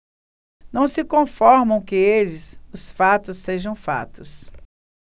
não se conformam que eles os fatos sejam fatos